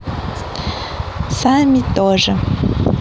sumy тоже